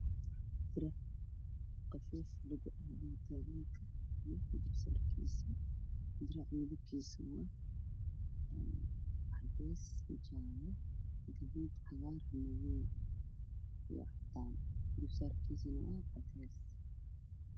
Waa darac midabkiisu yahay madow caddays waxaa dul saaran go midabkiisa yahay cadaan